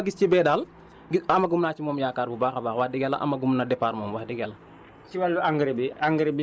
mais boobu daal li ma gis ci bee daal gi amagum naa ci moom yaakaar bu baax a baax wax dëgg yàlla amagum na départ moom wax dëgg yàlla